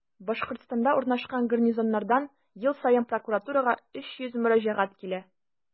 Башкортстанда урнашкан гарнизоннардан ел саен прокуратурага 300 мөрәҗәгать килә.